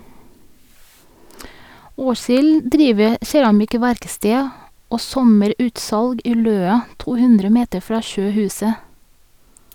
Aashild driver keramikkverksted og sommer-utsalg i løa , 200 meter fra sjøhuset.